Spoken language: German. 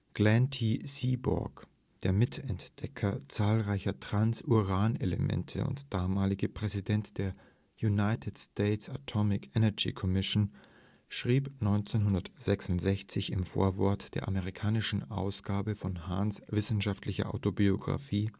Glenn T. Seaborg, der Mitentdecker zahlreicher Transuran-Elemente und damalige Präsident der United States Atomic Energy Commission, schrieb 1966 im Vorwort der amerikanischen Ausgabe von Hahns wissenschaftlicher Autobiographie